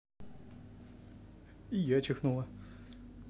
и я чихнула